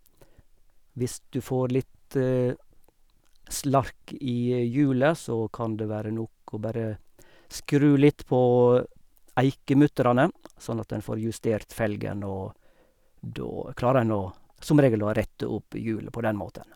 Hvis du får litt slark i hjulet, så kan det være nok å bare skru litt på eikemutterne sånn at en får justert felgen, og da klarer en å som regel å rette opp hjulet på den måten.